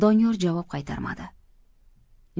doniyor javob qaytarmadi